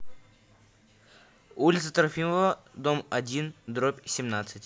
улица трофимова дом один дробь семнадцать